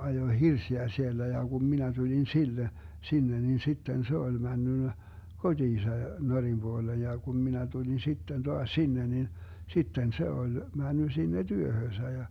ajoi hirsiä siellä ja kun minä tulin sille sinne niin sitten se oli mennyt kotiinsa Norjan puoleen ja kun minä tulin sitten taas sinne niin sitten se oli mennyt sinne työhönsä ja